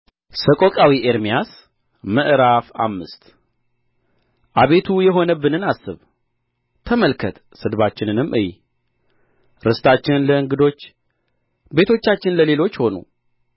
ሰቆቃዊ ኤርምያስ ምዕራፍ አምስት አቤቱ የሆነብንን አስብ ተመልከት ስድባችንንም እይ ርስታችን ለእንግዶች ቤቶቻችን ለሌሎች ሆኑ